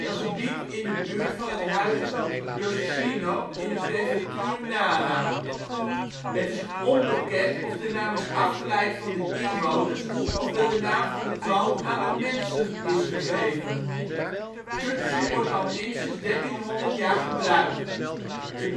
gebied in de buurt van het huidige Yoshino in de prefectuur Nara. Het is onbekend of de naam is afgeleid van de bewoners of dat de naam van de plant aan de mensen is gegeven. Kudzu wordt al minstens 1300 jaar gebruikt. De prefectuur